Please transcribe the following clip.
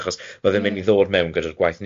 achos bydde'n mynd i ddod mewn gyda'r gwaith ni'n neud